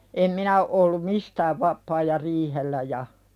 en minä ole ollut mistään vapaa ja riihellä ja